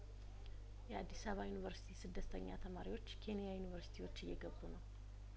የአዲስአባ ዩኒቨርሲቲ ስደተኛ ተማሪዎች ኬንያ ዩኒቨርሲቲዎች እየገቡ ነው